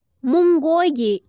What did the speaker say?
Mun goge.